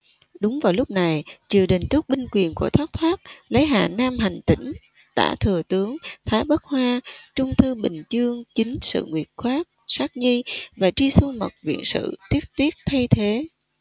đúng vào lúc này triều đình tước binh quyền của thoát thoát lấy hà nam hành tỉnh tả thừa tướng thái bất hoa trung thư bình chương chính sự nguyệt khoát sát nhi và tri xu mật viện sự tuyết tuyết thay thế